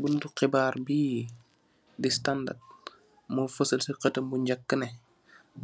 Buntu khibarr bii the standard mor feusal cii keutam bu njehkue neh